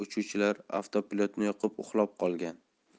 uchuvchilar avtopilotni yoqib uxlab qolgan